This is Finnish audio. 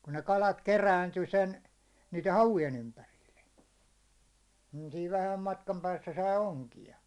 kun ne kalat kerääntyi sen niiden havujen ympärille niin siinä vähän matkan päässä sai onkia